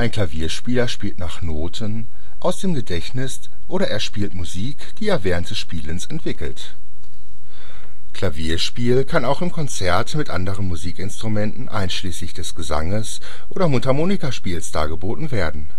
Klavierspieler spielt nach Noten, aus dem Gedächtnis oder er spielt Musik die er während des Spielens entwickelt. Klavierspiel kann auch im Konzert mit anderen Musikinstrumenten einschließlich des Gesangs oder Mundharmonikaspiels dargeboten werden